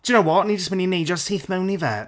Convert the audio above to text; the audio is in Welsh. Do you know what? ni jyst mynd i neidio syth mewn i fe.